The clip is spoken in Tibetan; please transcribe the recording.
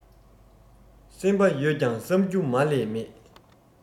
སེམས པ ཡོད ཀྱང བསམ རྒྱུ མ ལས མེད